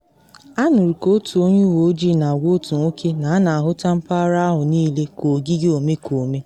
Anụrụ ka otu onye uwe ojii na agwa otu nwoke na a na ahụta mpaghara ahụ niile ka ogige omekome.